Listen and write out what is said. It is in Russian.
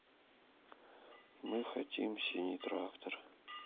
мы хотим синий трактор